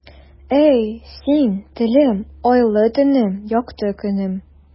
Әй, син, телем, айлы төнем, якты көнем.